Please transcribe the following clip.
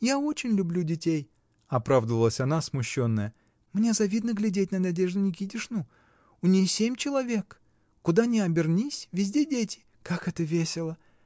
— Я очень люблю детей, — оправдывалась она, смущенная, — мне завидно глядеть на Надежду Никитишну: у ней семь человек. Куда ни обернись, везде дети. Как это весело!